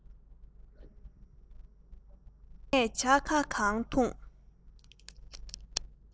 ངས ཇ ཁམ གང འཐུང